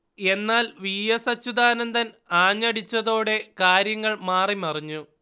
എന്നാൽ V. S. Achuthanandan ആഞ്ഞടിച്ചതോടെ കാര്യങ്ങൾ മാറി മറിഞ്ഞു